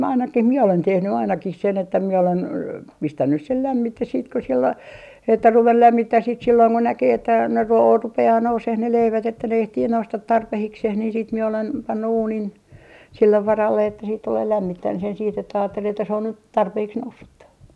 ainakin minä olen tehnyt ainakin sen että minä olen pistänyt sen lämmite sitten kun siellä oli että ruvennut lämmittämään sitten silloin kun näkee että ne - rupeaa nousemaan ne leivät että ne ehtii nousta tarpeeksi niin sitten minä olen pannut uunin sille varalle että sitten tulee - lämmittämään sen sitten että ajatteli että se on nyt tarpeeksi noussutta